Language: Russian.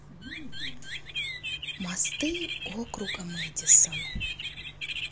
мосты округа мэдисон